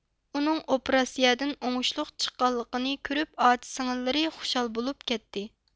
ئۇنىڭ ئوپراتسىيىدىن ئوڭۇشلۇق چىققانلىقىنى كۆرۇپ ئاچا سىڭىللىرى خۇشال بولۇپ كەتتى